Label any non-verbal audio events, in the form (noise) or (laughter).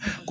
(hesitation) (hesitation)